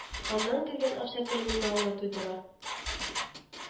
Аннан кергән акча криминалны туйдыра